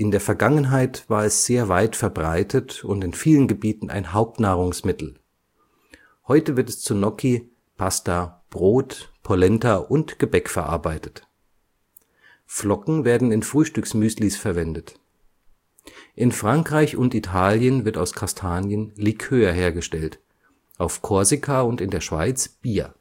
der Vergangenheit war es sehr weit verbreitet und in vielen Gebieten ein Hauptnahrungsmittel. Heute wird es zu Gnocchi, Pasta, Brot, Polenta und Gebäck verarbeitet. Flocken werden in Frühstücks-Müslis verwendet. In Frankreich und Italien wird aus Kastanien Likör hergestellt, auf Korsika und in der Schweiz Bier